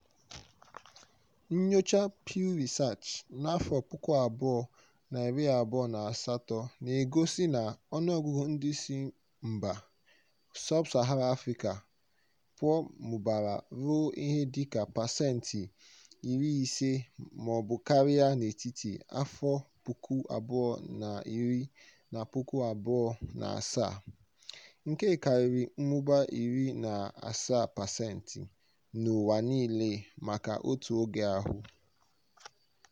"Nnyocha Pew Research n'afọ puku abụọ na iri abụọ na asatọ na-egosi na ọnụọgụgụ ndị si mba sub-Sahara Afrịka pụọ "mụbara ruo ihe dịka pasenti iri ise mọọbụ karịa n'etiti afọ puku abụọ na iri na puku abụọ na asaa, nke karịrị mmụba iri na asaa pasenti n'ụwa niile maka otu oge ahụ."